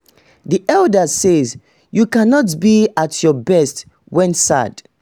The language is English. The elders say, you cannot be at your best when sad.